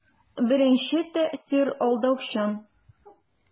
Беренче тәэсир алдаучан.